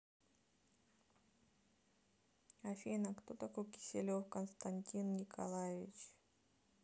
афина кто такой киселев константин николаевич